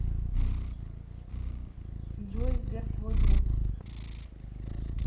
джой сбер твой друг